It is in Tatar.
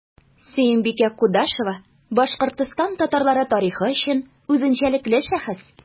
Сөембикә Кудашева – Башкортстан татарлары тарихы өчен үзенчәлекле шәхес.